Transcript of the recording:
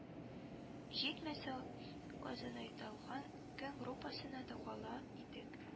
Җитмәсә озынайтылган көн группасына да кала идек